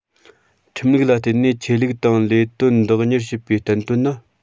ཁྲིམས ལུགས ལ བརྟེན ནས ཆོས ལུགས ལས དོན བདག གཉེར བྱེད པའི བསྟན དོན ནི